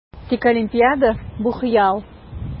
Тик Олимпиада - бу хыял!